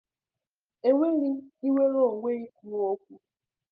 Enweghị nnwereonwe ikwu okwu.